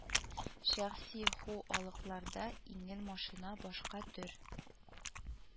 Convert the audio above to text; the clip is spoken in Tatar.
Шәхси ху алыкларда иңел машина, башка төр